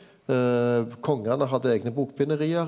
kongane hadde eige bokbinderi.